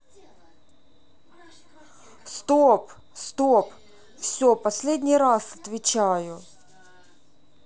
стоп стоп все последний раз отвечаю